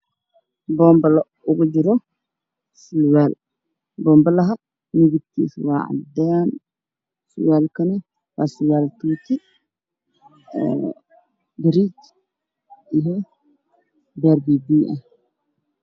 Waxaa ku jira gabar bay xaaqaysaa jikada waxaana yaalla sanduuq wayn